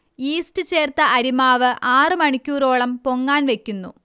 yeast ചേർത്ത അരിമാവ് ആറു മണിക്കൂറോളം പൊങ്ങാൻ വെക്കുന്നു